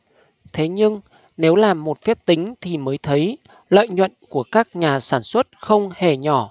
thế nhưng nếu làm một phép tính thì mới thấy lợi nhuận của các nhà sản xuất không hề nhỏ